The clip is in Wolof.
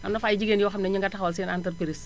am na fa ay jigéen yoo xam ne ña nga taxawal seen entreprise